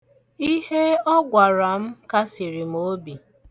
Ihe ọ gwara m kasiri m obi.